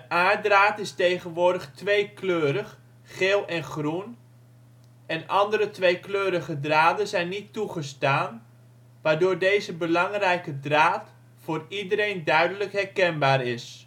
aarddraad is tegenwoordig tweekleurig (geel en groen) en andere tweekleurige draden zijn niet toegestaan, waardoor deze belangrijke draad voor iedereen duidelijk herkenbaar is